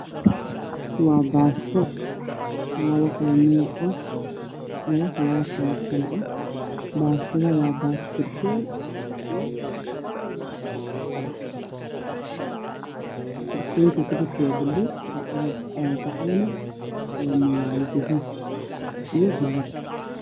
Waa baasto labo kiilo ah baasta waa baasto maka noni